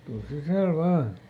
tule sisälle vain